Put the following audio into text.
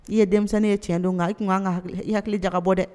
I ye denmisɛnnin ye cɛn don kan i tun kan ka hakilijaka bɔ dɛ